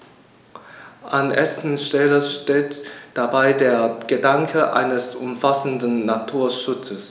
An erster Stelle steht dabei der Gedanke eines umfassenden Naturschutzes.